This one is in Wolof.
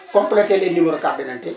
complété les numéros cartes d identité